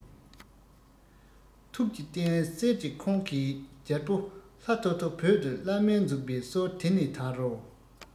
ཐུགས ཀྱི རྟེན གསེར གྱི ཁོང གིས རྒྱལ པོ ལྷ ཐོ ཐོ བོད དུ བླ སྨན འཛུགས པའི སྲོལ དེ ནས དར རོ